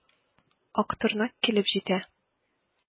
Актырнак килеп җитә.